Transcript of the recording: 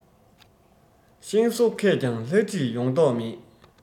ཤིང བཟོ མཁས ཀྱང ལྷ བྲིས ཡོང མདོག མེད